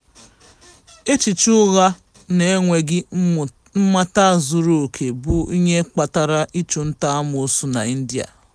Echiche ụgha na enweghị mmata zuru okè bụ ihe kpatara ịchụnta amoosu na India